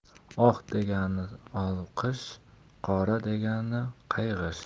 oq degani olqish qora degani qaig'ish